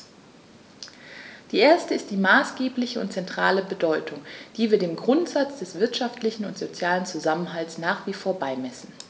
Der erste ist die maßgebliche und zentrale Bedeutung, die wir dem Grundsatz des wirtschaftlichen und sozialen Zusammenhalts nach wie vor beimessen.